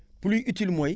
pluie utile mooy